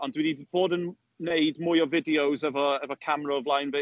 Ond dwi 'di bod yn wneud mwy o fideos efo efo camera o flaen fi.